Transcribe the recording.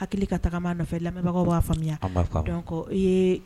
Hakili ka tagama nɔfɛ lamɛnbagaw b'a faamuya ee